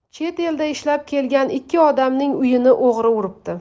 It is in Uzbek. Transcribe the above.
chet elda ishlab kelgan ikki odamning uyini o'g'ri uribdi